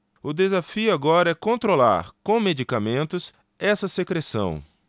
o desafio agora é controlar com medicamentos essa secreção